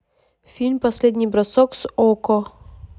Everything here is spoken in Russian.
фильм последний бросок с окко